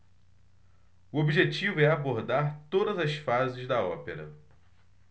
o objetivo é abordar todas as fases da ópera